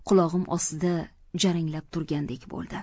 qulog'im ostida jaranglab turgandek bo'ldi